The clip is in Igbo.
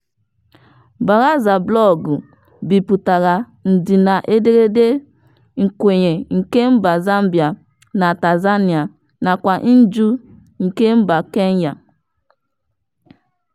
Baraza blọọgụ bipụtara ndịna ederede nkwenye nke mba Zambia na Tanzania nakwa njụ nke mba Kenya.